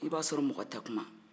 i b'a sɔrɔ mɔgɔ te kuma